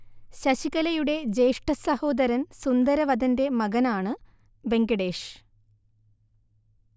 ശശികലയുടെ ജ്യേഷ്ഠ സഹോദരൻ സുന്ദരവദന്റെ മകനാണ് വെങ്കടേഷ്